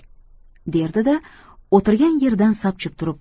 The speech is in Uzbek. derdi da o'tirgan yeridan sapchib turib